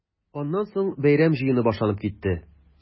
Аннан соң бәйрәм җыены башланып китте.